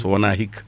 so wona hikka